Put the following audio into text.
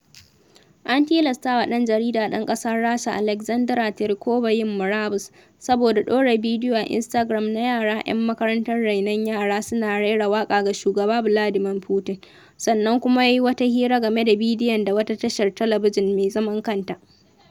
An tilastawa ɗan jarida ɗan ƙasar Rasha Alexandra Terikova yin murabus, saboda ɗora bidiyo a Instagram na yara 'yan makarantar renon yara suna raira waƙa ga Shugaba Vladimir Putin, sannan kuma yayi wata hira game da bidiyon da wata tashar talabijin mai zaman kanta.